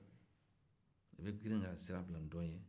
e bɛ girin ka sira bila dɔ ye